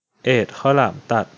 เอดข้าวหลามตัด